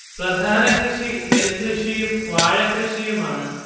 പ്രധാന കൃഷി നെൽകൃഷിയും വാഴകൃഷിയും ആണ്